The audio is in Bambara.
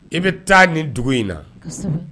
I bɛ taa ni dugu in na, kosɛbɛ.